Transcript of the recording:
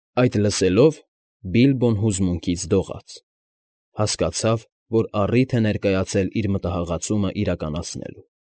Այդ լսելով՝ Բիլբոն հուզմունքից դողաց. հասկացավ, որ առիթ է ներկայացել իր մտահաղացումն իրականացնելու։